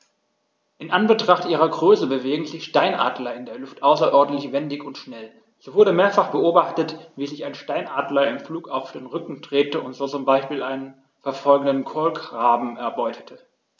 In Anbetracht ihrer Größe bewegen sich Steinadler in der Luft außerordentlich wendig und schnell, so wurde mehrfach beobachtet, wie sich ein Steinadler im Flug auf den Rücken drehte und so zum Beispiel einen verfolgenden Kolkraben erbeutete.